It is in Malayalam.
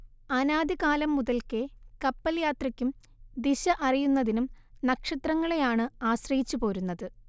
അനാദി കാലം മുതൽക്കേ കപ്പൽ യാത്രയ്ക്കും ദിശ അറിയുന്നതിനും നക്ഷത്രങ്ങളെയാണ് ആശ്രയിച്ചുപോരുന്നത്